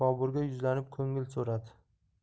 boburga yuzlanib ko'ngil so'radi